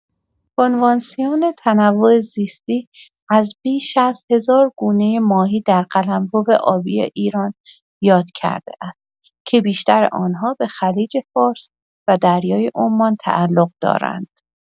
کنوانسیون تنوع زیستی از بیش از هزار گونه ماهی در قلمرو آبی ایران یاد کرده است که بیشتر آن‌ها به خلیج‌فارس و دریای عمان تعلق دارند.